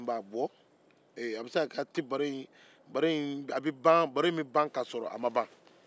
a bɛ se ka kɛ baro in bɛ ban k'a sɔrɔ a ma ban